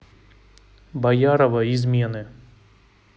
боярова измены